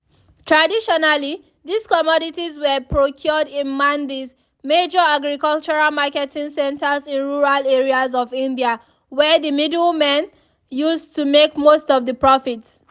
Traditionally, these commodities were procured in “mandis” (major agricultural marketing centers in rural areas of India), where the middleman used to make most of the profit.